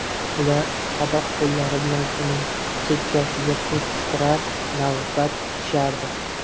ular qadoq qo'llari bilan uning chekkasiga pul qistirar navbat kutishardi